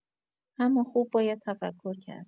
اما خوب باید تفکر کرد